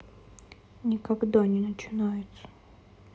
никогда не начинается